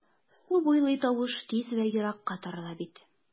Су буйлый тавыш тиз вә еракка тарала бит...